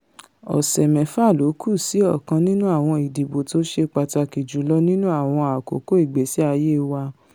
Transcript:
Ọ̀sẹ mẹ́fa lókù sí ọ̀kan nínú àwọn ìdìbò tóṣe pàtàkì jùlọ nínú àwọn àkóko ìgbésí-ayé wa.